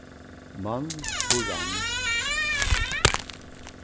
mann og rann